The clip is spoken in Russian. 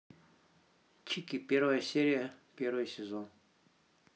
чики первая серия первый сезон